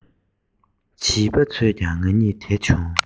བྱིས པ ཚོས ཀྱང ང གཉིས དེད བྱུང